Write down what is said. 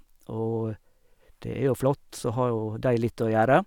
Og det er jo flott, så har jo de litt å gjøre.